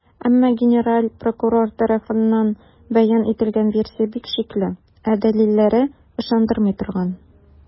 Әмма генераль прокурор тарафыннан бәян ителгән версия бик шикле, ә дәлилләре - ышандырмый торган.